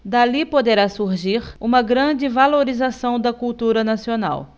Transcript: dali poderá surgir uma grande valorização da cultura nacional